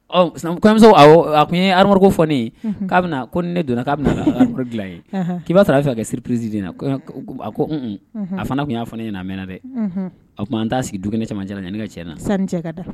Ɔmuso a ko ye ara amadu ko fɔ ne k'a ko ne donna k'a bɛ dila ye k'i' sɔrɔ a fɛ ka siriprisi de na a ko a fana tun y'a fɔ ne ɲɛna a mɛn dɛ a tun an t'a sigi du ni caman cɛ ne ka cɛ na ka dɛ